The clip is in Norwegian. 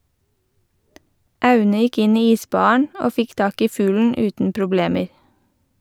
Aune gikk inn i isbaren og fikk tak i fuglen uten problemer.